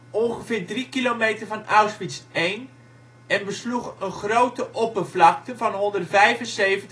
ongeveer drie kilometer van Auschwitz I en besloeg een grote oppervlakte van 175